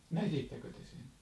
näittekö te sen